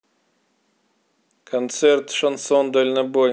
концерт шансон дальнобой